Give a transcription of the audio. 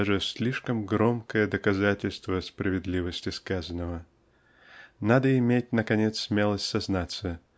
даже слишком громкое доказательство справедливости сказанного. Надо иметь наконец смелость сознаться